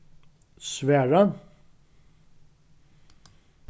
svara